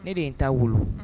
Ne de ye n t'a wolo